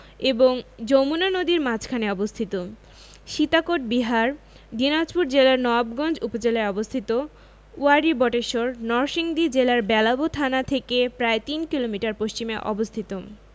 এবং যমুনা নদীর মাঝখানে অবস্থিত সীতাকোট বিহার দিনাজপুর জেলার নওয়াবগঞ্জ উপজেলায় অবস্থিত ওয়ারী বটেশ্বর নরসিংদী জেলার বেলাব থানা থেকে প্রায় তিন কিলোমিটার পশ্চিমে অবস্থিত